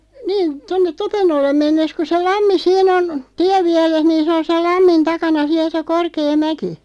niin tuonne Topennolle mennessä kun se lammi siinä on tienvieressä niin se on sen lammin takana siellä se korkea mäki